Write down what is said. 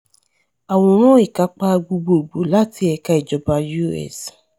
Àworan Ìkápá Gbogboògbò láti ẹ̀ka ìjọba US.